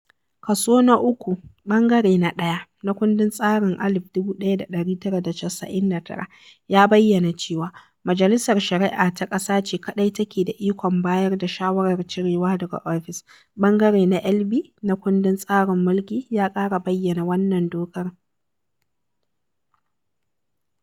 Kaso na Uku, ɓangare na 1 na kundin tsarin 1999 ya bayyana cewa Majalisar Shari'a ta ƙasa ce kaɗai take da ikon bayar da shawarar cirewa daga ofis. ɓangare na Iɓ na kundin tsarin mulki ya ƙara bayyana wannan dokar.